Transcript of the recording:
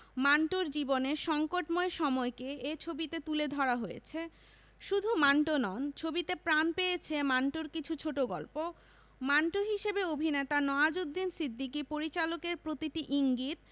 মান্টোর জীবনের সংকটময় সময়কে এ ছবিতে তুলে ধরা হয়েছে শুধু মান্টো নন ছবিতে প্রাণ পেয়েছে মান্টোর কিছু ছোটগল্পও মান্টো হিসেবে অভিনেতা নওয়াজুদ্দিন সিদ্দিকী পরিচালকের প্রতিটি ইঙ্গিত